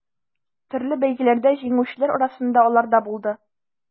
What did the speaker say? Төрле бәйгеләрдә җиңүчеләр арасында алар да булды.